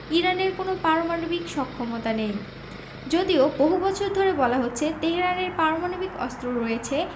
ইরানের কোনো পারমাণবিক সক্ষমতা নেই যদিও বহু বছর ধরে বলা হচ্ছে তেহরানের পারমাণবিক অস্ত্র রয়েছে